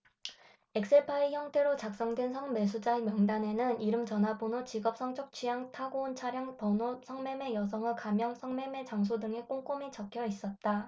엑셀파일 형태로 작성된 성매수자 명단에는 이름 전화번호 직업 성적 취향 타고 온 차량 번호 성매매 여성의 가명 성매매 장소 등이 꼼꼼히 적혀 있었다